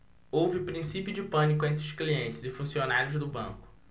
houve princípio de pânico entre os clientes e funcionários do banco